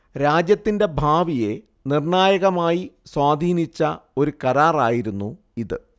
രാജ്യത്തിന്റെ ഭാവിയെ നിർണായകമായി സ്വാധീനിച്ച ഒരു കരാറായിരുന്നു ഇത്